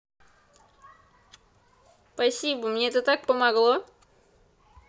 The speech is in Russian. спасибо мне это так помогло